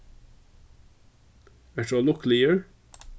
ert tú ólukkuligur